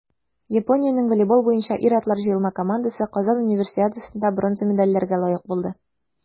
Япониянең волейбол буенча ир-атлар җыелма командасы Казан Универсиадасында бронза медальләргә лаек булды.